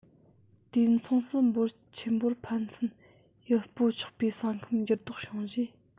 དུས མཚུངས སུ འབོར ཆེན པོར ཕན ཚུན ཡུལ སྤོ ཆོག པའི ས ཁམས འགྱུར ལྡོག བྱུང རྗེས